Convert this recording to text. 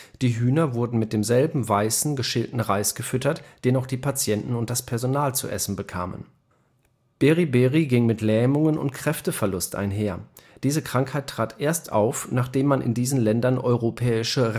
Die Hühner wurden mit demselben weißen, geschälten Reis gefüttert, den auch die Patienten und das Personal zu essen bekamen. Beri-Beri ging mit Lähmungen und Kräfteverlust einher. Diese Krankheit trat erst auf, nachdem man in diesen Ländern europäische